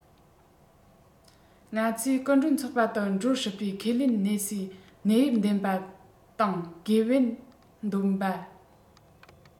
ང ཚོའི སྐུ མགྲོན ཚོགས པ དུ འགྲོ སྲིད པ ཁས ལེན གནས སའི གནས ཡུལ འདེམས པ དང དགེ བེད འདོན པ